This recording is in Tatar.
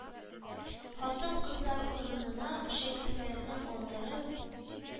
Хатын-кызлар урынына шәкертләрне алдырып,